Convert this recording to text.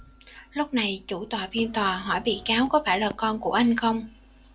lúc này chủ tọa phiên tòa hỏi bị cáo có phải là con của anh không